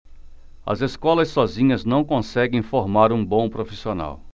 as escolas sozinhas não conseguem formar um bom profissional